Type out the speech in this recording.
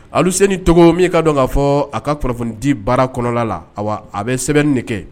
Olu senni to min kaa dɔn ka fɔ a ka kunnafonidi baara kɔnɔ la a bɛ sɛbɛn de kɛ